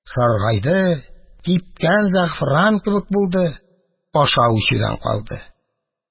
Саргайды, кипкән зәгъфран кебек булды, ашау-эчүдән калды.